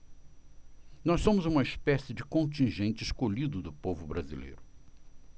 nós somos uma espécie de contingente escolhido do povo brasileiro